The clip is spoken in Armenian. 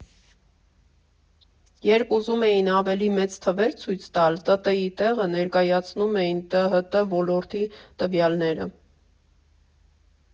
Երբ ուզում էին ավելի մեծ թվեր ցույց տալ, ՏՏ֊ի տեղը ներկայացնում էին ՏՀՏ ոլորտի տվյալները։